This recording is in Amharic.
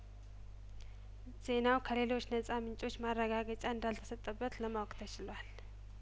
ዜናው ከሌሎች ነጻ ምንጮች ማረጋገጫ እንዳልተሰጠበት ለማወቅ ተችሏል